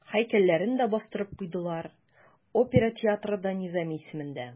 Һәйкәлләрен дә бастырып куйдылар, опера театры да Низами исемендә.